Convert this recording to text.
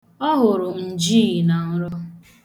Ọ hụrụ njiii na nrọ.